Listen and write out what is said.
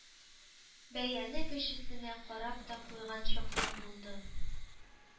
– бәяне кешесенә карап та куйган чаклар булды.